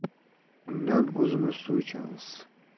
undan o'zimiz suv ichamiz